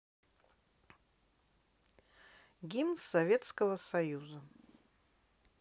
гимн советского союза